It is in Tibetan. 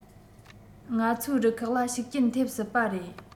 ང ཚོའི རུ ཁག ལ ཤུགས རྐྱེན ཐེབས སྲིད པ རེད